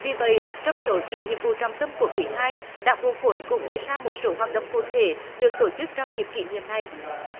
vì vậy trong số chín nhiệm vụ trọng tâm của quý hai đảng bộ khối cũng đề ra một số hoạt động cụ thể được tổ chức trong dịp kỷ niệm này